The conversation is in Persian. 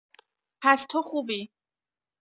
پس تو خوبی